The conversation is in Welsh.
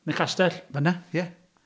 Yn y castell?... Fan'na, ie.